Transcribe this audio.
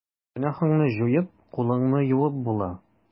Гөнаһыңны җуеп, кулыңны юып була.